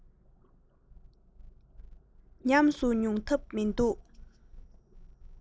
ཉམས སུ མྱོང ཐབས མི འདུག